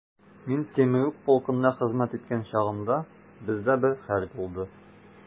Мин Темрюк полкында хезмәт иткән чагымда, бездә бер хәл булды.